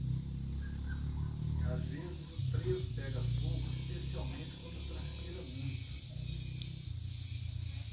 às vezes o preso pega fogo especialmente quando transpira muito